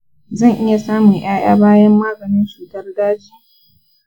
zan iya samun ’ya’ya bayan maganin cutar daji?